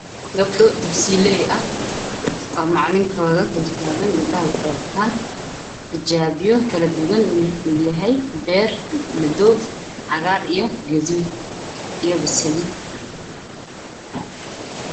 Halkaan waxaa ka muuqdo gabdho taataagan waxa ayna meesha u egtahay dugsi quraan